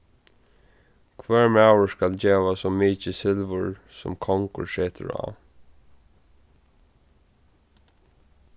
hvør maður skal geva so mikið silvur sum kongur setur á